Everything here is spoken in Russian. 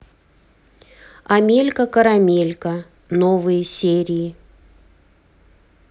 амелька карамелька новые серии